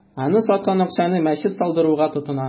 Аны саткан акчаны мәчет салдыруга тотына.